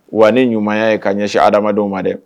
Wa ni ɲumanya ye ka ɲɛsin hadamadenw ma dɛ